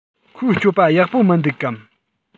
ཁོའི སྤྱོད པ ཡག པོ མི འདུག གམ